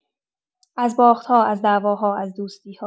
از باخت‌ها، از دعواها، از دوستی‌ها.